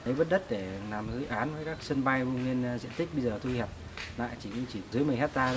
lấy mất đất để làm dự án với các sân bay nên diện tích bây giờ thu hẹp lại chỉ chiếm dưới mười héc ta thôi